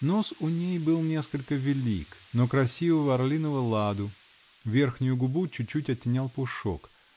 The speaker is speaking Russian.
Нос у ней был несколько велик, но красивого, орлиного ладу, верхнюю губу чуть-чуть оттенял пушок